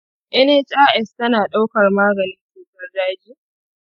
nhis tana ɗaukar maganin cutar daji?